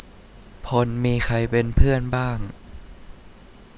พลมีใครเป็นเพื่อนบ้าง